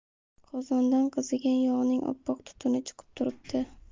qozondan qizigan yog'ning oppoq tutuni chiqib turibdi